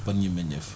sopparñi meññeef